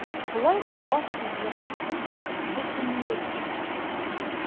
Болай да аз сүзле Котлый бөтенләй дәшмәс булды.